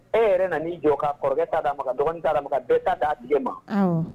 E yɛrɛ nan'i jɔ ka kɔrɔkɛ ta d'a ma ka dɔgɔnin ta d'a ma ka bɛɛ ta d'a tigɛ ma awɔ